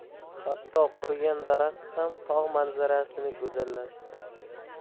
hatto qurigan daraxt ham tog' manzarasini go'zallashtiradi